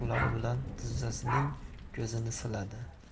bilan tizzasining ko'zini siladi